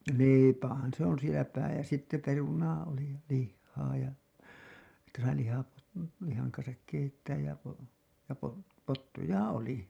leipähän se on siellä - ja sitten perunaa oli ja lihaa ja sitten sai - lihan kanssa keittää ja - ja - pottuja oli